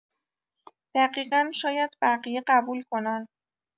دقیقا شاید بقیه قبول کنن.